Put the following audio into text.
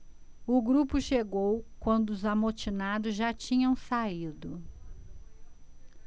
o grupo chegou quando os amotinados já tinham saído